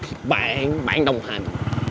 bạn bạn đồng hành